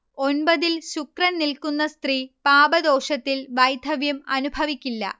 ഒൻപതിൽ ശുക്രൻ നിൽക്കുന്ന സ്ത്രീ പാപദോഷത്തിൽ വൈധവ്യം അനുഭവിക്കില്ല